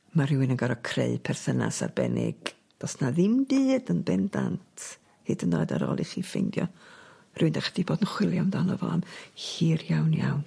Ma' rhywun yn gor'o' creu perthynas arbennig do's 'na ddim byd yn bendant hyd yn oed ar ôl i chi ffeindio rhywun 'dach chi 'di bod yn chwilio amdano fo am hir iawn iawn.